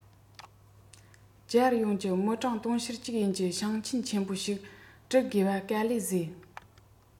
རྒྱལ ཡོངས ཀྱི མི གྲངས དུང ཕྱུར གཅིག ཡན གྱི ཞིང ཆེན ཆེན པོ ཞིག དྲུད དགོས ལ དཀའ ལས བཟོ